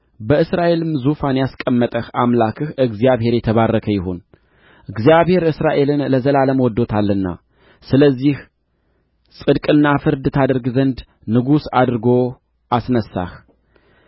በእስራኤልም ዙፋን ያስቀመጠህ አምላክህ እግዚአብሔር የተባረከ ይሁን እግዚአብሔር እስራኤልን ለዘላለም ወድዶታልና ስለዚህ ጽድቅና ፍርድ ታደርግ ዘንድ ንጉሥ አድርጎ አስነሣህ